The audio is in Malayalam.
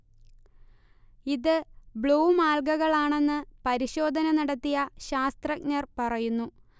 ഇത് ബ്ലൂം ആൽഗകളാണെന്ന് പരിശോധ നടത്തിയ ശാസ്തജഞർ പറയുന്നു